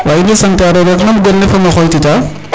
wa in way sante'aa roog rek nam gon le fo ma xooytitaa?